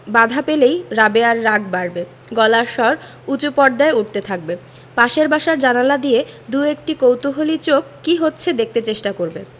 বাধা পেলেই রাবেয়ার রাগ বাড়বে গলার স্বর উচু পর্দায় উঠতে থাকবে পাশের বাসার জানালা দিয়ে দুএকটি কৌতুহলী চোখ কি হচ্ছে দেখতে চেষ্টা করবে